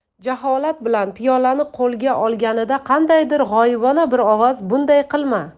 jaholat bilan piyolani qo'lga olganida qandaydir g'oyibona bir ovoz bunday qilma